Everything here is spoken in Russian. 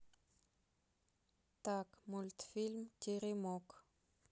так мультфильм теремок